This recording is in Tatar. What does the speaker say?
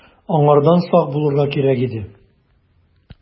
Аңардан сак булырга кирәк иде.